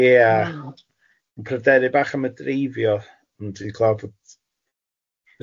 Ia yn pryderu bach am y dreifio ond dwi'n gweld bod